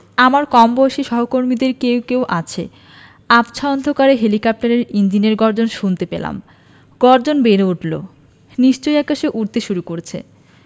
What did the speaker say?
আমার কমবয়সী সহকর্মীদের কেউ কেউ আছে আবছা অন্ধকারে হেলিকপ্টারের ইঞ্জিনের গর্জন শুনতে পেলাম গর্জন বেড়ে উঠলো নিশ্চয়ই আকাশে উড়তে শুরু করছে